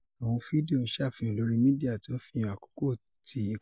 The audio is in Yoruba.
Àwọn fídíò ń ṣàfihàn lóri Mídíà tí ó ń fihàn àkókò ti ìkọlù.